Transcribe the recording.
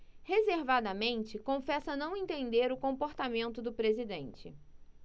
reservadamente confessa não entender o comportamento do presidente